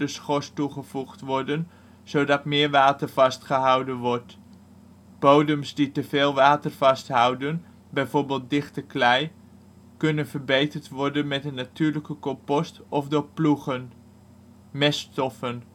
schors toegevoegd worden zodat meer water vastgehouden wordt. Bodems die teveel water vasthouden, bijvoorbeeld dichte klei, kunnen verbeterd worden met een natuurlijke compost, of door ploegen meststoffen